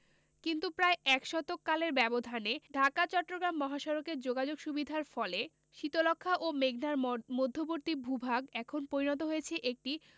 কিন্তু প্রায় এক শতক কালের ব্যবধানে ঢাকা চট্টগ্রাম মহাসড়কে যোগাযোগ সুবিধার ফলে শীতলক্ষ্যা ও মেঘনার মধ্যবর্তী ভূভাগ এখন পরিণত হয়েছে একটি